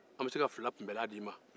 an bɛ se ka fila kunbɛnna di i ma